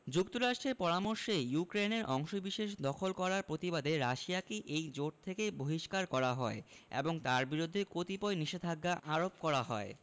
যুক্তরাষ্ট্রের পরামর্শেই ইউক্রেনের অংশবিশেষ দখল করার প্রতিবাদে রাশিয়াকে এই জোট থেকে বহিষ্কার করা হয় এবং তার বিরুদ্ধে কতিপয় নিষেধাজ্ঞা আরোপ করা হয়